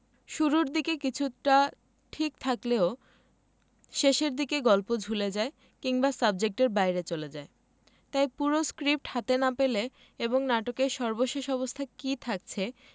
শুরুর দিকে কিছুটা ঠিক থাকলেও শেষের দিকে গল্প ঝুলে যায় কিংবা সাবজেক্টের বাইরে চলে যায় তাই পুরো স্ক্রিপ্ট হাতে না পেলে এবং নাটকের সর্বশেষ অবস্থা কী থাকছে